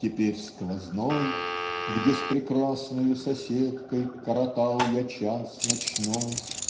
теперь сквозной, Где с прекрасною соседкой Коротал я час ночной.